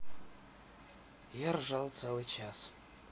я ржал целый час